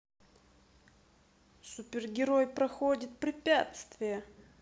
супер герой проходит препятствия